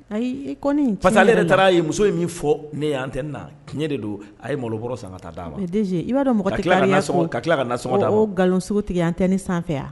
parceque ale yɛrɛ taara ye muso ye min fɔ , ne ye antenne na tiɲɛ de don . A ye malo bɔrɔ san ka taa da ma. Ka kila ka nan sɔngɔn da ma. I ba dɔn mɔgɔ tɛ nin ngalon sugu tigɛ antenne sanfɛ.